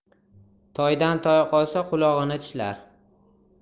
toydan toy qolsa qulog'ini tishlar